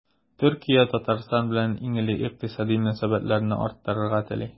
Төркия Татарстан белән иң элек икътисади мөнәсәбәтләрне арттырырга тели.